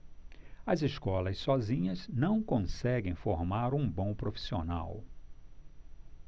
as escolas sozinhas não conseguem formar um bom profissional